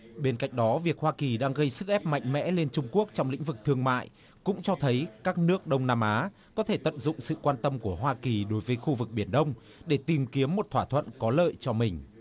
bên cạnh đó việc hoa kỳ đang gây sức ép mạnh mẽ lên trung quốc trong lĩnh vực thương mại cũng cho thấy các nước đông nam á có thể tận dụng sự quan tâm của hoa kỳ đối với khu vực biển đông để tìm kiếm một thỏa thuận có lợi cho mình